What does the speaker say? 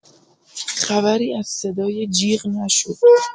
خبری از صدای جیغ نشد.